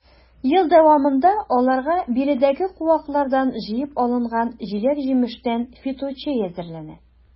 Ел дәвамында аларга биредәге куаклардан җыеп алынган җиләк-җимештән фиточәй әзерләнә.